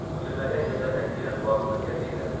kutilmagan yerlardan kelib bosqin yasaydi